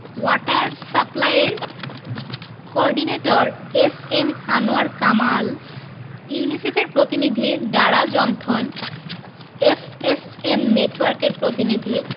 water সাপ্লাইর coordinator S M Anwar Kamal ইউনিসেফের প্রতিনিধি ডারা জনথন এফএসএম নেটওয়ার্কের প্রতিনিধি